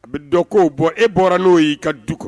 Bɛ dɔ ko bɔ e bɔra n'o y yei ka du